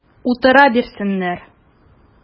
Утыра бирсеннәр!